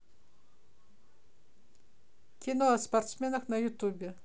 кино о спортсменах на ютубе